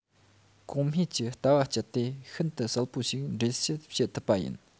གོང སྨྲས ཀྱི ལྟ བ སྤྱད དེ ཤིན ཏུ གསལ པོ ཞིག འགྲེལ བཤད བྱེད ཐུབ པ ཡིན